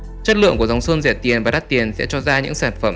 chất lượng của dòng sơn rẻ tiền và đắt tiền sẽ cho ra những sản phẩm vô cùng khác nhau